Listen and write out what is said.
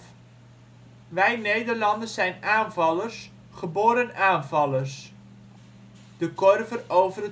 Wij Nederlanders zijn aanvallers, geboren aanvallers. " De Korver over het